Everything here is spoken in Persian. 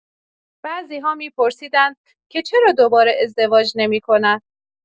بعضی‌ها می‌پرسیدند که چرا دوباره ازدواج نمی‌کند.